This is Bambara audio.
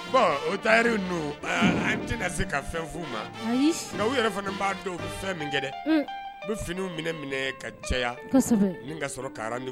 Bon o ta an ti se ka fɛn fu ma nka u yɛrɛ fana b'a dɔn u bɛ fɛn min kɛ bɛ fini minɛ minɛ ka caya ka kalanran